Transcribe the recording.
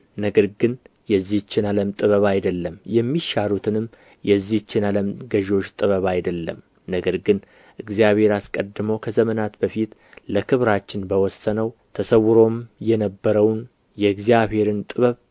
ነገር ግን የዚችን ዓለም ጥበብ አይደለም የሚሻሩትንም የዚችን ዓለም ገዦች ጥበብ አይደለም ነገር ግን እግዚአብሔር አስቀድሞ ከዘመናት በፊት ለክብራችን የወሰነውን ተሰውሮም የነበረውን የእግዚአብሔርን ጥበብ